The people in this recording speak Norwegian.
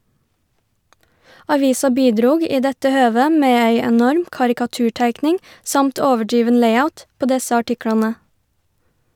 Avisa bidrog i dette høvet med ei enorm karikaturteikning, samt overdriven layout, på desse artiklane.